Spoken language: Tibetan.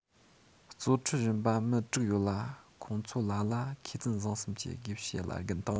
གཙོ ཁྲིད གཞོན པ མི དྲུག ཡོད ལ ཁོང ཚོ ལ ལ མཁས བཙུན བཟང གསུམ གྱི དགེ བཤེས བླ རྒན དང